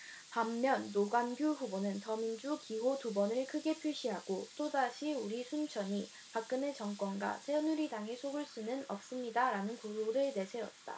반면 노관규 후보는 더민주 기호 두 번을 크게 표시하고 또다시 우리 순천이 박근혜 정권과 새누리당에 속을 수는 없습니다라는 구호를 내세웠다